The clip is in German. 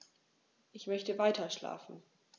Ich möchte weiterschlafen.